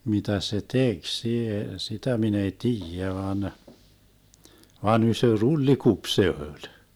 mitä se teki - sitä minä ei tiedä vaan vaan iso trullikupi se oli